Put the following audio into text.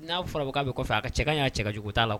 N'a fɔra k' bɛ kɔfɛ fɛ a ka cɛ ka y'a cɛ ka jugu t'a la